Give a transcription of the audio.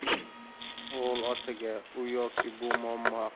o'g'il otaga u yoki bu muammo